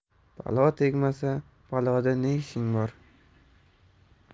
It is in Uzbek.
balo tegmasa baloda ne ishing bor